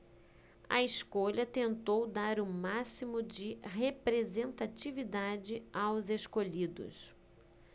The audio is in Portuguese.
a escolha tentou dar o máximo de representatividade aos escolhidos